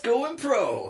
...going pro!